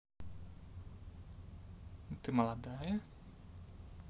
ты молодая